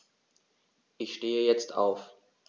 Ich stehe jetzt auf.